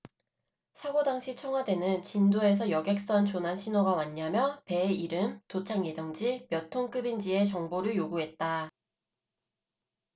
사고 당시 청와대는 진도에서 여객선 조난신고가 왔냐며 배의 이름 도착 예정지 몇 톤 급인지에 정보를 요구했다